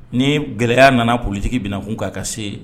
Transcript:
Ni gɛlɛyaya nana politigi bɛna na kun'a ka se